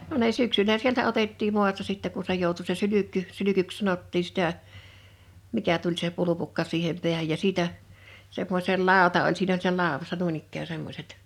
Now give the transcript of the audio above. no ne syksyllä sieltä otettiin maasta sitten kun se joutui se sylkky sylkyksi sanottiin sitä mikä tuli se pulpukka siihen päähän ja siitä semmoisella lauta oli siinä oli siinä laudassa noin ikään semmoiset